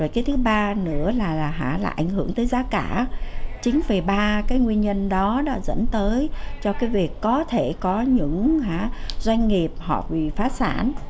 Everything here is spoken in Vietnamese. rồi cái thứ ba nữa là há là ảnh hưởng tới giá cả chính vì ba cái nguyên nhân đó đó dẫn tới cho cái việc có thể có những hả doanh nghiệp họ bị phá sản